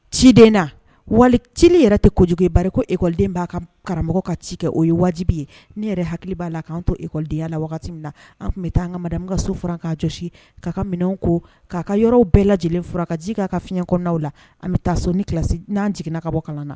Ciden na wali ciini yɛrɛ tɛ kojugu ye ba ko ekoden b'a ka karamɔgɔ ka ci kɛ o ye wajibi ye ne yɛrɛ hakili b'a la k'an to ekɔdenyaya la min na an tun bɛ taa an kaden ka souran k' josi ye k'a ka minɛn ko k'a ka yɔrɔ bɛɛ lajɛlen fura ka ji k'a ka fiɲɛyɛn kɔnɔnaw la an bɛ taa so ni kilasi n'an jiginna ka bɔ kalan na